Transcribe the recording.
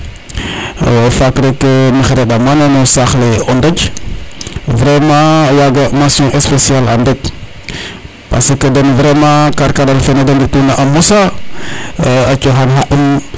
faak rek maxey re a mana no saxle o Ndodj vraiment waga mention special a Ndodj parce que den vraiment karkaral fe ne de mbi tuna a mosa a coxaan xaqum